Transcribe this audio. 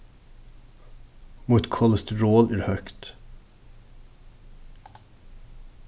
mítt kolesterol er høgt